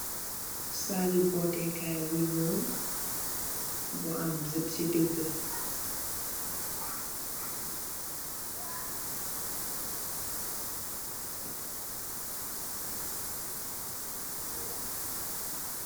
Saggi bootekay bu nyool. Bu am zip si digg.